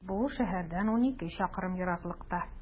Бу шәһәрдән унике чакрым ераклыкта.